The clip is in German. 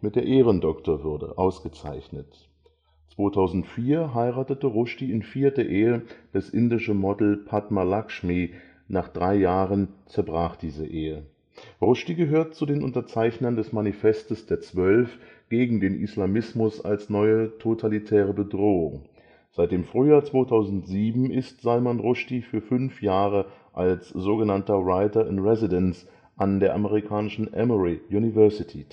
der Ehrendoktorwürde ausgezeichnet. 2004 heiratete Rushdie in vierter Ehe das indische Model Padma Lakshmi. Nach drei Jahren zerbrach die Ehe. Rushdie gehört zu den Unterzeichnern des Manifestes der 12 gegen den Islamismus als neue totalitäre Bedrohung. Seit dem Frühjahr 2007 ist Salman Rushdie für fünf Jahre als sogenannter „ Writer in Residence “an der amerikanischen Emory University